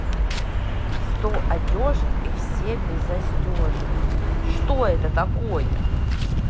сто одежек и все без застежек что это такое